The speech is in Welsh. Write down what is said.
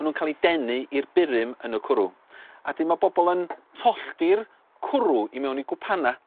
Ma' nw'n ca'l 'u denu i'r burum yn y cwrw a 'dyn ma' bobol yn tollti'r cwrw i mewn i gwpana